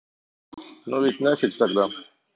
ну ведь нафиг тогда